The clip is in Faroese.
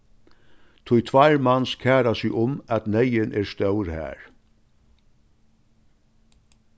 tí tveir mans kæra seg um at neyðin er stór har